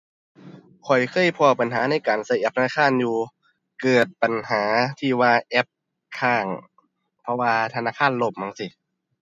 ข้อยเคยพ้อปัญหาในการใช้แอปธนาคารอยู่ เกิดปัญหาที่ว่าแอปค้าง เพราะว่าธนาคารล่มจั่งซี้